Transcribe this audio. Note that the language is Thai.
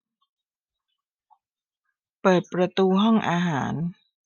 เปิดประตูห้องอาหาร